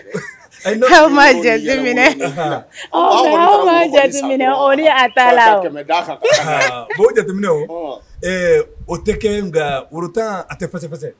O jate minɛ a tɛ kɛ. Nga woro 10 tɛ fɛsɛfɛsɛ